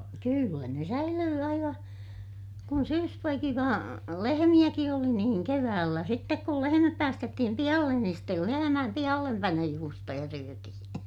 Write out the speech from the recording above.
kyllä ne säilyi aivan kun syyspoikiva lehmiäkin oli niin keväällä sitten kun lehmät päästettiin pihalle niin sitten lehmien pihallepanojuustoja syötiin